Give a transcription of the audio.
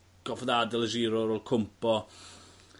goffod adel y Giro ar ôl cwmpo